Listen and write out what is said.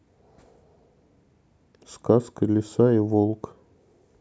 сказка лиса и волк